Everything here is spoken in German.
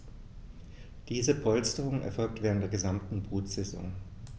Diese Polsterung erfolgt während der gesamten Brutsaison.